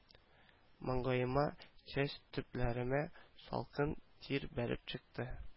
Маңгаема чәч төпләремә салкын тир бәреп чыкты